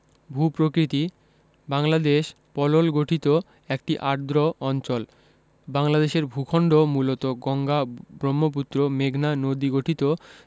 ভূ প্রকৃতিঃ বাংলদেশ পলল গঠিত একটি আর্দ্র অঞ্চল বাংলাদেশের ভূখন্ড মূলত গঙ্গা ব্রহ্মপুত্র মেঘনা নদীগঠিত